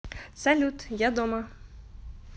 салют я дома